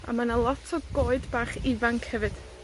A ma' 'na lot o goed bach ifanc hefyd.